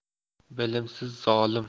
bilimsiz zohm